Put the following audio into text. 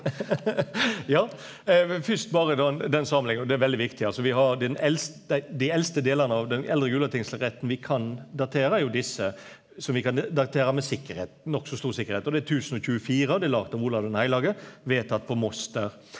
ja fyrst berre den samanlikninga og det er veldig viktig altså vi har den dei dei eldste delane av den eldre gulatingsretten vi kan datere er jo desse som vi kan datere med sikkerheit nokså stor sikkerheit og det er tusenogtjuefire og det er laga av Olav den heilage vedtatt på Moster.